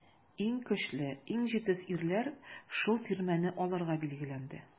Иң көчле, иң җитез ирләр шул тирмәне алырга билгеләнде.